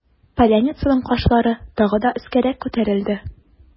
Поляницаның кашлары тагы да өскәрәк күтәрелде.